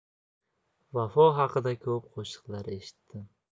vafo haqida ko'p qo'shiqlar eshitdim